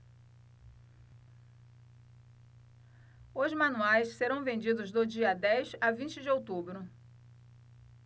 os manuais serão vendidos do dia dez a vinte de outubro